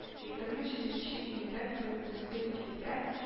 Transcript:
Егерме җиденче июньдә көндезге икедә